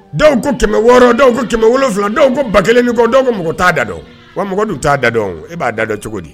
Dɔw ko kɛmɛ wɔɔrɔɔrɔn dɔw kɛmɛ wolo wolonwula dɔw ko ba kelen dɔw ko t'a da dɔn wa mɔgɔ t'a da dɔn e b'a da dɔn cogo di